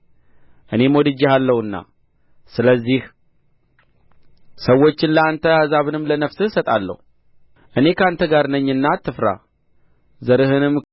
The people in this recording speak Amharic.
እኔም ወድጄሃለሁና ስለዚህ ሰዎችን ለአንተ አሕዛብንም ለነፍስህ እሰጣለሁ እኔ ከአንተ ጋር ነኝና አትፍራ ዘርህንም